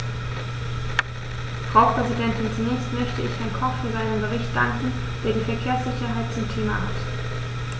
Frau Präsidentin, zunächst möchte ich Herrn Koch für seinen Bericht danken, der die Verkehrssicherheit zum Thema hat.